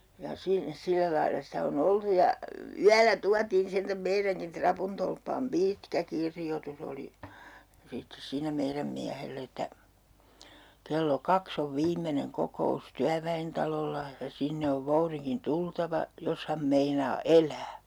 ja - sillä lailla sitä on oltu ja - yöllä tuotiin sentään meidänkin rapuntolppaan pitkä kirjoitus oli sitten siinä meidän miehelle että kello kaksi on viimeinen kokous työväentalolla ja sinne on voudinkin tultava jos hän meinaa elää